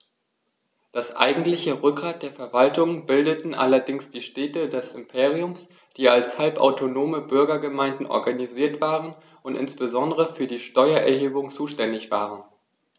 Das eigentliche Rückgrat der Verwaltung bildeten allerdings die Städte des Imperiums, die als halbautonome Bürgergemeinden organisiert waren und insbesondere für die Steuererhebung zuständig waren.